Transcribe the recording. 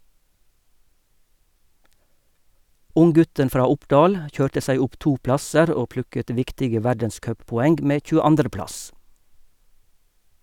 Unggutten fra Oppdal kjørte seg opp to plasser og plukket viktige verdenscuppoeng med 22. plass.